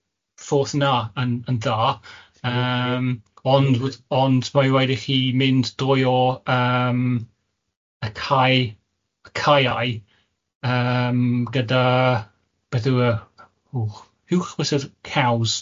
fforth na yn yn dda yym ond ond mae'n rhaid i chi mynd drwy o yym y cae- caeau yym gyda beth yw y uwch- uwch fyse cows.